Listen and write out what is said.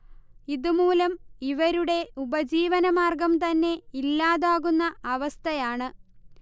ഇതുമൂലം ഇവരുടെ ഉപജീവനമാർഗം തന്നെ ഇല്ലാതാകുന്ന അവസഥയാണ്